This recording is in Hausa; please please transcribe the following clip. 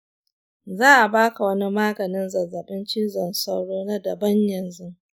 za a ba ka wani maganin zazzabin cizon sauro na daban yanzu.